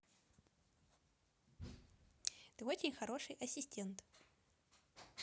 ты очень хороший ассистент